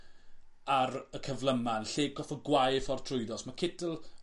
ar y cyflyma yn lle goffod gwau ei ffordd trwyddo. Os ma' Kittel